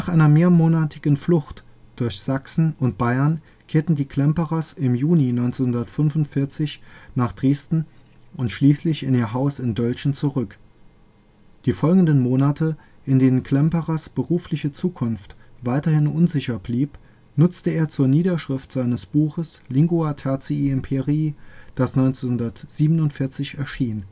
einer mehrmonatigen Flucht durch Sachsen und Bayern kehrten die Klemperers im Juni 1945 nach Dresden und schließlich in ihr Haus in Dölzschen zurück. Die folgenden Monate, in denen Klemperers berufliche Zukunft weiterhin unsicher blieb, nutzte er zur Niederschrift seines Buches LTI, das 1947 erschien